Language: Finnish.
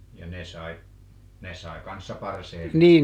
ja ne sai ne sai kanssa parseelit